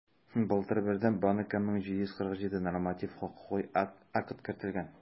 Былтыр Бердәм банкка 1747 норматив хокукый акт кертелгән.